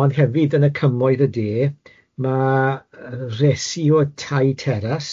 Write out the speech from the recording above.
Ond hefyd yn y cymoedd y de ma yy resi o'r tai teras,